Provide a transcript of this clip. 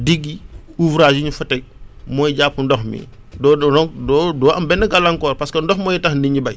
digues yi ouvrage yi ñu fa teg mooy jàpp ndox mi doo doo doo am benn gàllankoor parce que ndox mooy tax nit ñi béy